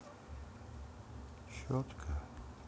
четко